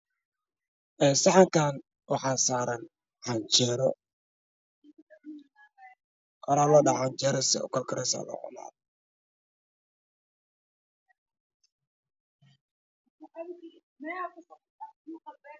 Saxan kaan waxaa saaran canjeero sida ay ukala koreyso loo cunaa